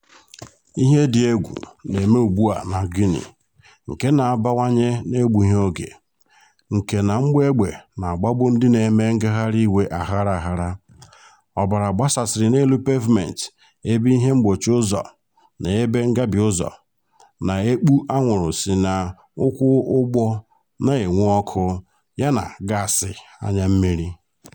Ihe dị egwu na-eme ugbu a na Guinea, nke na-abawanye na-egbughị oge, nke na mgbọ egbe na-agbagbu ndị na-eme ngagharị iwe aghara aghara, ọbara gbasasịrị n'elu pevumentị ebe ihe mgbochi ụzọ na ebe ngabi ụzọ na-ekpu anwụrụ si n'ụkwụ ụgbọ na-enwu ọkụ yana gaasị anya mmiri.